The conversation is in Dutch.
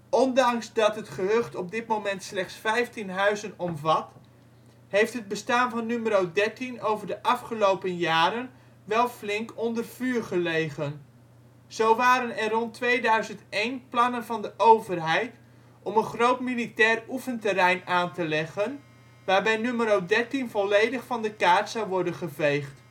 Ondanks dat het gehucht op dit moment slechts 15 huizen omvat, heeft het bestaan van Numero Dertien over de afgelopen jaren wel flink onder vuur gelegen. Zo waren er rond 2001 plannen van de overheid om een groot militair oefenterrein aan te leggen waarbij Numero Dertien volledig van de kaart zou worden geveegd